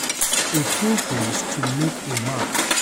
18 holes to make a mark.